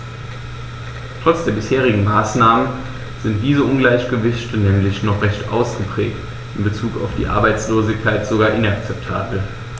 Trotz der bisherigen Maßnahmen sind diese Ungleichgewichte nämlich noch recht ausgeprägt, in bezug auf die Arbeitslosigkeit sogar inakzeptabel.